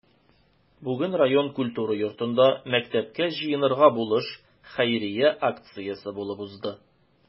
Бүген район культура йортында “Мәктәпкә җыенырга булыш” хәйрия акциясе булып узды.